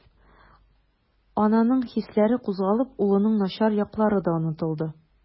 Ананың хисләре кузгалып, улының начар яклары да онытылды.